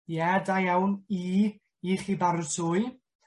Ie da iawn, i. I chi baratwy.